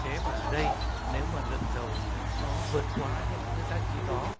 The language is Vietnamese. thế và ở đây nếu mà lượng dầu nó vượt quá những cái giá trị đó